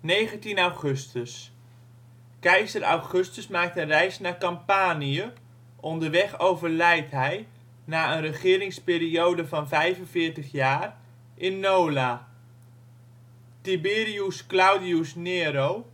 19 augustus - Keizer Augustus maakt een reis naar Campanië, onderweg overlijdt hij (na een regeringsperiode van 45 jaar) in Nola. Tiberius Claudius Nero